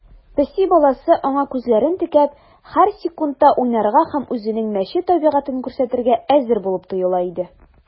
Песи баласы, аңа күзләрен текәп, һәр секундта уйнарга һәм үзенең мәче табигатен күрсәтергә әзер булып тоела иде.